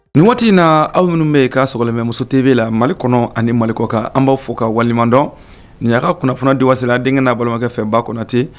In na aw minnu bɛ yen ka sogokɔ sɔgɔmamɛmuso tebi la mali kɔnɔ ani malikɔ kan an b'a fɔ ka walidɔn nin'ka kunna kunnafoni di wasela denkɛ n'a balimakɛ fɛn ba kunna ten